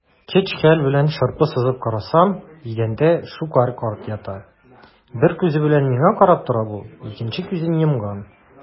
Көч-хәл белән шырпы сызып карасам - идәндә Щукарь карт ята, бер күзе белән миңа карап тора бу, икенче күзен йомган.